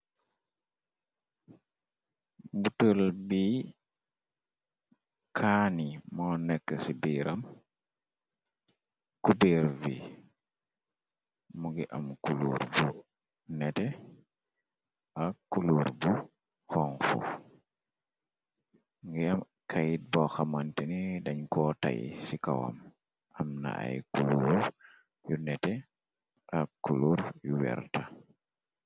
Mu tël bi kaani moo nekk ci biiram cubervi mu ngi am kuluur bu nete ak kuluur bu xonxu ngiram kayit bo xamante ni dañ koo tay ci kawam am na ay kulur yu nete ak kuluur yu werta.